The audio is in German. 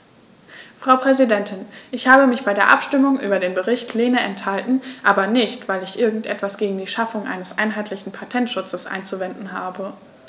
Frau Präsidentin, ich habe mich bei der Abstimmung über den Bericht Lehne enthalten, aber nicht, weil ich irgend etwas gegen die Schaffung eines einheitlichen Patentschutzes einzuwenden habe.